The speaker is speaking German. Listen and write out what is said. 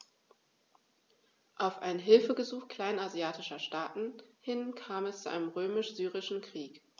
Auf ein Hilfegesuch kleinasiatischer Staaten hin kam es zum Römisch-Syrischen Krieg.